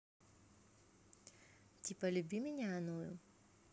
типа люби меня оную